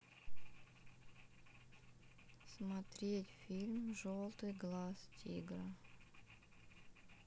смотреть фильм желтый глаз тигра